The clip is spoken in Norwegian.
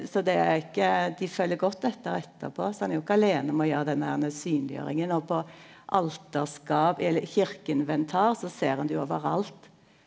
så det er ikkje dei følger godt etter etterpå så han er jo ikkje aleine om å gjere den herne synleggjeringa og på alterskap eller kyrkjeinventar så ser ein det jo overalt.